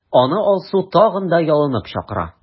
Аны Алсу тагын ялынып чакыра.